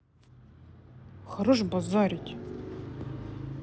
хорош базарить